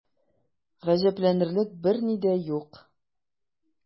Гаҗәпләнерлек берни дә юк.